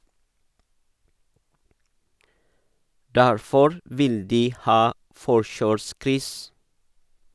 Derfor vil de ha forkjørskryss.